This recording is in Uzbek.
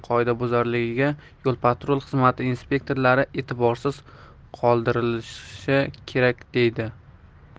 qoidabuzarligiga yo patrul xizmati inspektorlari e'tiborsiz qoldirishi kerak deydi